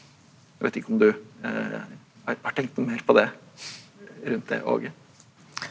vet ikke om du har har tenkt noe mer på det rundt det Aage?